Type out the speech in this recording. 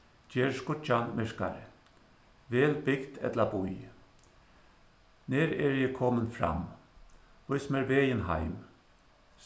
ger skíggjan myrkari vel bygd ella bý nær eri eg komin fram vís mær vegin heim